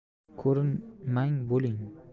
ko'rinmang bo'ling